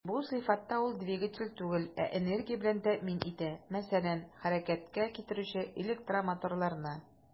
Бу сыйфатта ул двигатель түгел, ә энергия белән тәэмин итә, мәсәлән, хәрәкәткә китерүче электромоторларны.